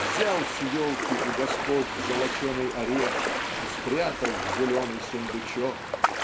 взял с елки у господ золоченый орех и спрятал в зеленый сундучок